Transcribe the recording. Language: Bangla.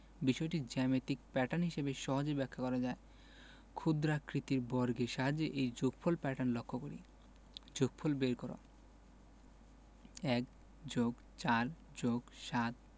বিষয়টি জ্যামিতিক প্যাটার্ন হিসেবে সহজেই ব্যাখ্যা করা যায় ক্ষুদ্রাকৃতির বর্গের সাহায্যে এই যোগফল প্যাটার্ন লক্ষ করি যোগফল বের করঃ ১+৪+৭